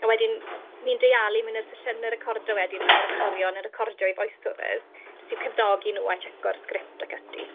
A wedyn ni'n deialu mewn i'r sesiyne recordo wedyn pan ma'r actorion yn recordo eu voiceovers, jyst i'w cefnogi nhw a tseco'r sgript ac ati.